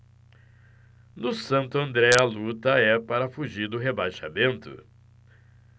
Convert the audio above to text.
no santo andré a luta é para fugir do rebaixamento